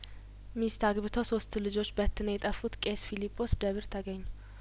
ሚስት አግብተው ሶስት ልጆችበት ነው የጠፉት ቄስ ፊሊጶ ስደብር ተገኙ